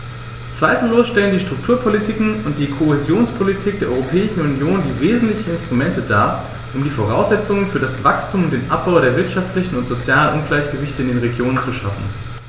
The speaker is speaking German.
Zweifellos stellen die Strukturpolitiken und die Kohäsionspolitik der Europäischen Union die wesentlichen Instrumente dar, um die Voraussetzungen für das Wachstum und den Abbau der wirtschaftlichen und sozialen Ungleichgewichte in den Regionen zu schaffen.